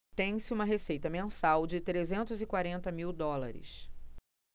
tem-se uma receita mensal de trezentos e quarenta mil dólares